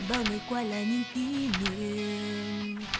bao ngày qua là những kỉ kỉ niệm